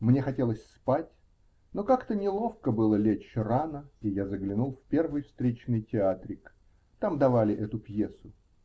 Мне хотелось спать, но как-то неловко было лечь рано, и я заглянул в первый встречный театрик. Там давали эту пьесу.